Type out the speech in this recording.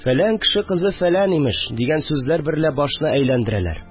Фәлән кеше кызы фәлән, имеш», – дигән сүзләр берлә башны әйләндерәләр